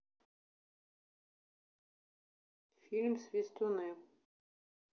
фильм свистуны